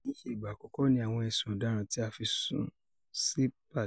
Kiiṣe igba akọkọ ni awọn ẹsun ọdaràn ti a fi sun si Palin.